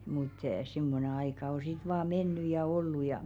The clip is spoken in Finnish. mutta semmoinen aika on sitten vain mennyt ja ollut ja